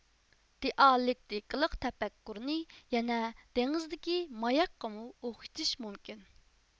دىئالېكتىكىلىق تەپەككۇرنى يەنە دېڭىزدىكى ماياكقىمۇ ئوخشىتىش مۇمكىن